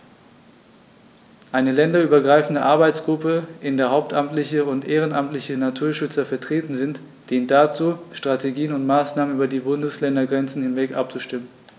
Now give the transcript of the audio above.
Eine länderübergreifende Arbeitsgruppe, in der hauptamtliche und ehrenamtliche Naturschützer vertreten sind, dient dazu, Strategien und Maßnahmen über die Bundesländergrenzen hinweg abzustimmen.